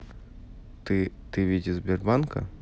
ты ты ведь из сбербанка